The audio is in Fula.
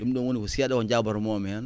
ɗum ɗoon woni ko seeɗa ko njaabotonoomi heen